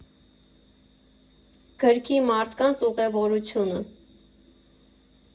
Գրքի մարդկանց ուղևորությունը։